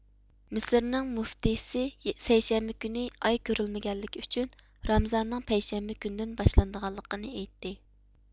مىسىرنىڭ مۇفتىسى سەيشەنبە كۈنى ئاي كۆرۈلمىگەنلىكى ئۈچۈن رامزاننىڭ پەيشەنبە كۈندىن باشلىنىدىغانلىقىنى ئېيتتى